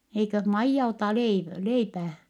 eikös Maija ota - leipää